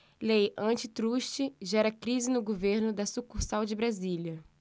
lei antitruste gera crise no governo da sucursal de brasília